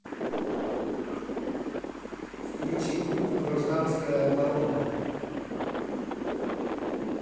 включи группу гражданская оборона